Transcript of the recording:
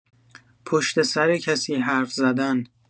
پشت‌سر کسی حرف‌زدن